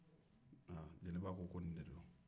aa jeliba ko ko ni de do